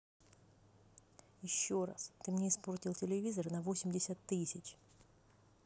еще раз ты мне испортил телевизор на восемьдесят тысяч